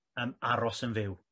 yym aros yn fyw.